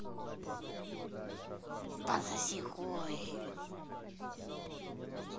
пососи хуй